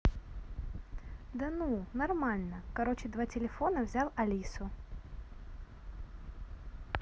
да ну нормально короче два телефона взял алису